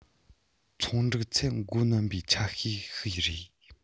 ཚོང འགྲིག ཚད མགོ གནོན པའི ཆ ཤས ཤིག རེད